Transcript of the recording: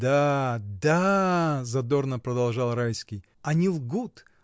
— Да, да, — задорно продолжал Райский, — они лгут.